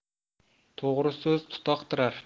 to'g'ri so'z tutoqtirar